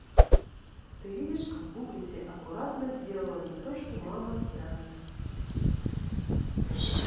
ты видишь как гуглите аккуратно сделала не то что мама да